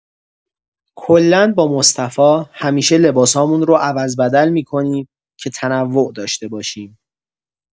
کلا با مصطفی همیشه لباسامون رو عوض‌بدل می‌کنیم که تنوع داشته باشیم.